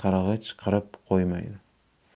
qirg'ich qirib qo'ymaydi